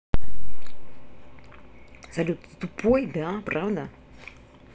салют ты тупой да правда